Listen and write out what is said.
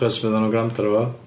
Achos fyddan nhw'n gwrando arna fo.